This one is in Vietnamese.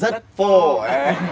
rất phô